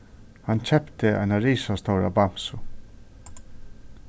hann keypti eina risastóra bamsu